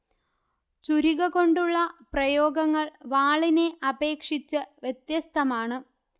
ചുരിക കൊണ്ടുള്ള പ്രയോഗങ്ങൾ വാളിനെ അപേക്ഷിച്ച് വ്യത്യസ്തമാണ്